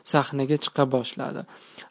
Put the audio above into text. sahnaga chiqa boshladi